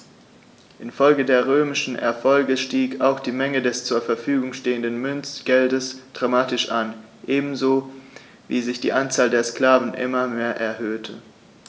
Infolge der römischen Erfolge stieg auch die Menge des zur Verfügung stehenden Münzgeldes dramatisch an, ebenso wie sich die Anzahl der Sklaven immer mehr erhöhte.